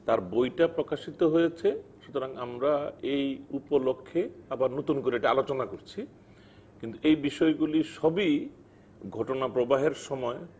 তার বইটা প্রকাশিত হয়েছে সুতরাং আমরা এই উপলক্ষে আবার নতুন করে এটা আলোচনা করছি কিন্তু এই বিষয় গুলো সবই ঘটনা প্রবাহের সময়